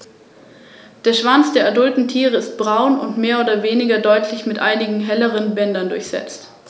Weniger häufig ist die Jagd im freien Luftraum; die Erbeutung von ziehenden Kormoranen ist jedoch zum Beispiel schon mehrfach beobachtet worden.